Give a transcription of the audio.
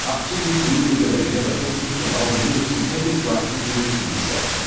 artigo incluído pela emenda constitucional número cinquenta e quatro de dois mil e sete